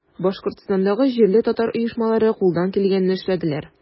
Башкортстандагы җирле татар оешмалары кулдан килгәнне эшләделәр.